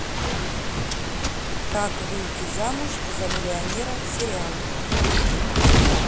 как выйти замуж за миллионера сериал